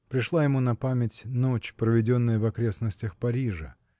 Пришла ему на память ночь, проведенная в окрестностях Парижа.